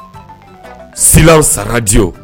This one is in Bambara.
Slence radio